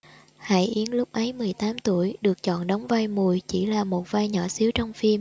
hải yến lúc ấy mười tám tuổi được chọn đóng vai mùi chỉ là một vai nhỏ xíu trong phim